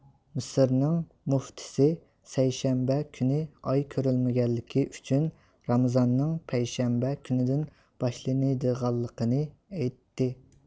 مىسىرنىڭ مۇفتىسى سەيشەنبە كۈنى ئاي كۆرۈلمىگەنلىكى ئۈچۈن رامزاننىڭ پەيشەنبە كۈندىن باشلىنىدىغانلىقىنى ئېيتتى